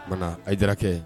O tuma a ye jara kɛ